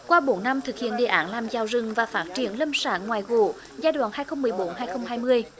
qua bốn năm thực hiện đề án làm giàu rừng và phát triển lâm sản ngoài gỗ giai đoạn hai không mười bốn hai không hai mươi